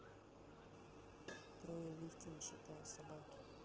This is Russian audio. трое в лифте не считая собаки